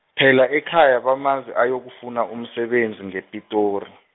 phela ekhaya bamazi ayokufuna umsebenzi ngePitori.